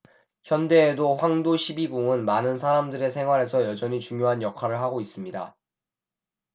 현대에도 황도 십이궁은 많은 사람들의 생활에서 여전히 중요한 역할을 하고 있습니다